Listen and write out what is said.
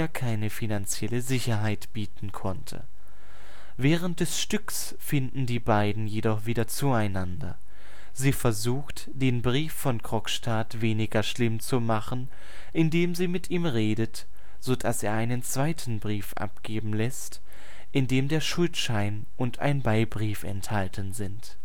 keine finanzielle Sicherheit bieten konnte. Während des Stücks finden die beiden jedoch wieder zueinander. Sie versucht, den Brief von Krogstad weniger schlimm zu machen, indem sie mit ihm redet, sodass er einen zweiten Brief abgeben lässt, in dem der Schuldschein und ein Beibrief enthalten sind